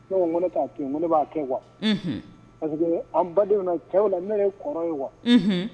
Ne ko ne t'a to yen, ne b'a kɛ quoi ;Unhun; Parce que an badenw na, cɛw la ne yɛrɛ ye kɔrɔ ye quoi